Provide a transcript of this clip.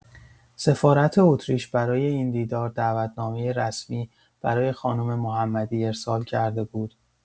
سفارت اتریش برای این دیدار دعوتنامه رسمی برای خانم محمدی ارسال کرده بود.